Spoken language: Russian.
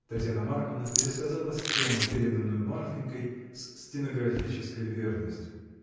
Татьяна Марковна пересказала сцену, переданную Марфинькой с стенографической верностью.